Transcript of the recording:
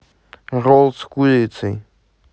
рол с курицей